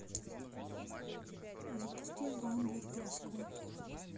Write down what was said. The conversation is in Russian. запусти рамблер гороскопы